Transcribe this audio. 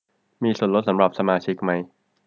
มีส่วนลดสำหรับสมาชิกมั้ย